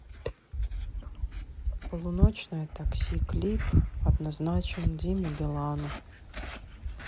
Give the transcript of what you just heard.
полуночное такси клип однозначен диме билану